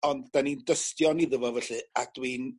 ond 'dan ni'n dystion iddo fo felly a dwi'n